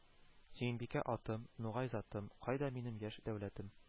Сөембикә атым, нугай затым, кайда минем яшь дәүләтем,